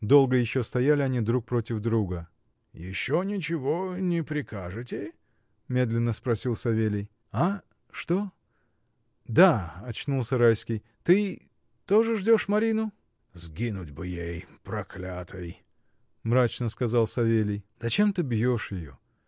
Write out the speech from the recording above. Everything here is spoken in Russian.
Долго еще стояли они друг против друга. — Еще ничего не прикажете? — медленно спросил Савелий. что? да, — очнулся Райский, — ты. тоже ждешь Марину? — Сгинуть бы ей, проклятой! — мрачно сказал Савелий. — Зачем ты бьешь ее?